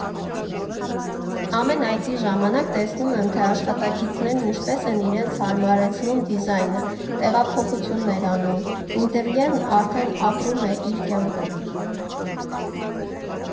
Ամեն այցի ժամանակ տեսնում եմ, թե աշխատակիցներն ինչպես են իրենց հարմարեցնում դիզայնը, տեղափոխություններ անում, ինտերիերն արդեն ապրում է իր կյանքով։